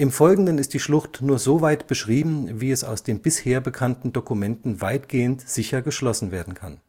Folgenden ist die Schlucht nur so weit beschrieben, wie es aus den bisher bekannten Dokumenten weitgehend sicher geschlossen werden kann